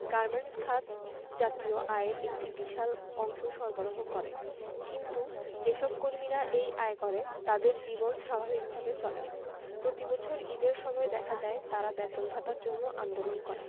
garments খাত জাতীয় আয়ের একটি বিশাল অংশ সরবারহ করে কিন্তু যেসব কর্মীরা এই আয় করে তাদের জীবন স্বাভাবিক ভাবে চলে না প্রতিবছর ঈদের সময় দেখা যায় তারা বেতন ভাতার জন্য আন্দোলন করে